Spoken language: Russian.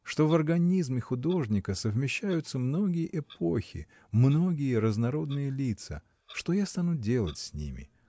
что в организме художника совмещаются многие эпохи, многие разнородные лица. Что я стану делать с ними?